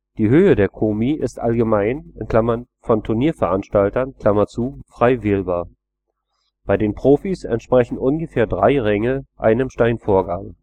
Die Höhe der Komi ist allgemein (von Turnierveranstaltern) frei wählbar. Bei den Profis entsprechen ungefähr drei Ränge einem Stein Vorgabe